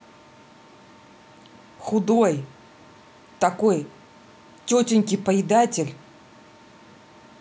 худой такой тетеньки поедатель